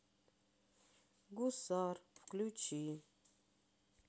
гусар включи